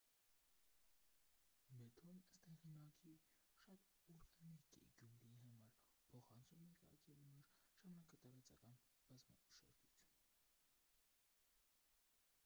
Մեթոդն ըստ հեղինակի շատ օրգանիկ է Գյումրիի համար, ու փոխանցում է քաղաքին բնորոշ ժամանակատարածական բազմաշերտությունը։